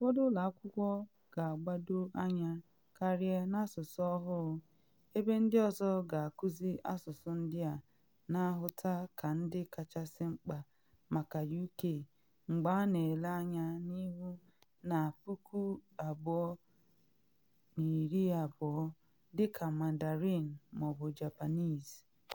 Ụfọdụ ụlọ akwụkwọ ga-agbado anya karịa n’asụsụ ọhụụ, ebe ndị ọzọ ga-akuzi asụsụ ndị a na ahụta ka ndị kachasị mkpa maka UK mgbe a na ele anya n’ihu na 2020, dị ka Mandarin ma ọ bụ Japanese.